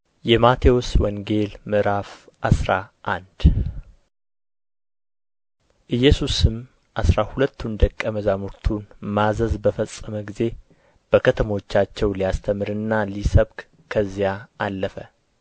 ﻿የማቴዎስ ወንጌል ምዕራፍ አስራ አንድ ኢየሱስም አሥራ ሁለቱን ደቀ መዛሙርቱን ማዘዝ በፈጸመ ጊዜ በከተሞቻቸው ሊያስተምርና ሊሰብክ ከዚያ አለፈ